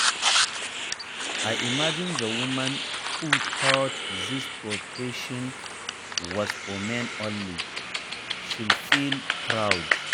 I imagine the women who thought this profession was for men only, should feel proud.